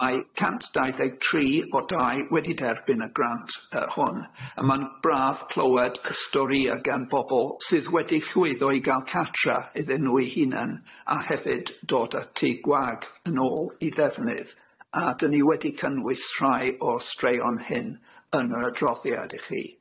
Mae cant dau ddeg tri o dai wedi derbyn y grant yy hwn a ma'n braf clywed y storïa gan bobol sydd wedi llwyddo i ga'l catra iddyn nhw eu hunan a hefyd dod a tŷ gwag yn ôl i ddefnydd a 'dyn ni wedi cynnwys rhai o'r streun hyn yn yr adroddiad i chi.